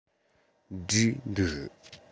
འབྲས འདུག